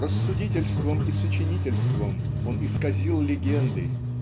Рассудительством и сочинительством он исказил легенды